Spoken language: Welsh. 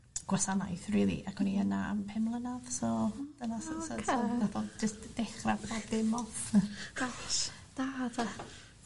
gwasanaeth rili ac o'n i yna am pum mlynadd so dyna so so so nath o jest dechra pob dim off. Gosh. Da 'de?